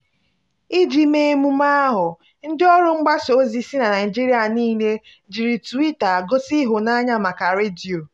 Iji mee emume ahụ, ndị ọrụ mgbasa ozi si na Naịjirịa niile jiri Twitter gosi ịhụnanya maka redio: